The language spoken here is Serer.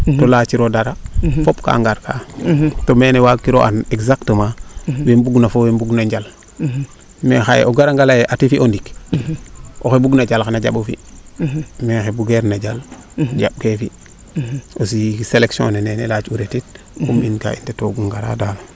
to laaciro dara fop kaa ngar kaa to meene waag kiro an exactemnt wee mbung na fo wee mbung na njal mais xaye o gara nga ley ati fiyo ndik oxe bug na jal xana jambo fi aussi selection ne neene yaac retit comme in kaa i ndeto gu ngaraa